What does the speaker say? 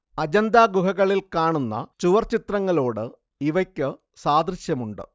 അജന്താ ഗുഹകളിൽ കാണുന്ന ചുവർ ചിത്രങ്ങളോട് ഇവയ്ക്ക് സാദൃശ്യമുണ്ട്